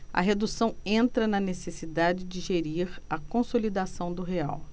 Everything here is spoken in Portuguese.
a redução entra na necessidade de gerir a consolidação do real